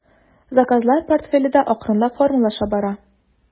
Заказлар портфеле дә акрынлап формалаша бара.